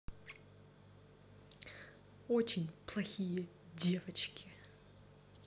очень плохие девчонки